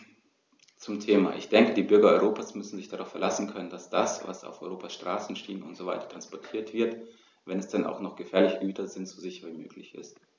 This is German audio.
Zum Thema: Ich denke, die Bürger Europas müssen sich darauf verlassen können, dass das, was auf Europas Straßen, Schienen usw. transportiert wird, wenn es denn auch noch gefährliche Güter sind, so sicher wie möglich ist.